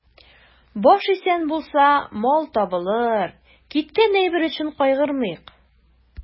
Баш исән булса, мал табылыр, киткән әйбер өчен кайгырмыйк.